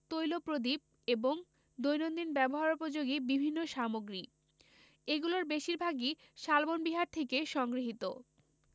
তৈল প্রদীপ এবং দৈনন্দিন ব্যবহারোপযোগী বিভিন্ন সামগ্রী এগুলির বেশিরভাগই শালবন বিহার থেকে সংগৃহীত